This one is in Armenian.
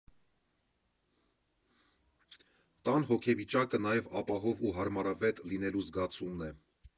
Տան հոգեվիճակը նաև ապահով ու հարմարվետ լինելու զգացումն է։